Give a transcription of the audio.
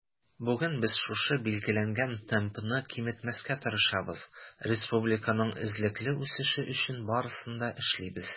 Бүген без шушы билгеләнгән темпны киметмәскә тырышабыз, республиканың эзлекле үсеше өчен барысын да эшлибез.